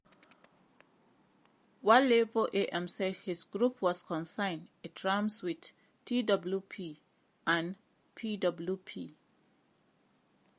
One Labour AM said his group was concerned "it rhymes with Twp and Pwp."